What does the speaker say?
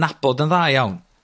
nabod yn dda iawn?